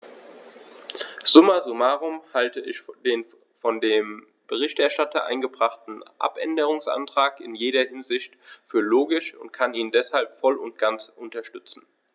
Summa summarum halte ich den von dem Berichterstatter eingebrachten Abänderungsantrag in jeder Hinsicht für logisch und kann ihn deshalb voll und ganz unterstützen.